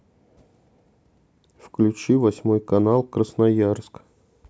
включи восьмой канал красноярск